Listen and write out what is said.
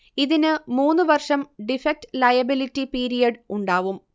ഇതിന് മൂന്ന് വർഷം ഡിഫക്ട് ലയബിലിറ്റി പീരിയഡ് ഉണ്ടാവും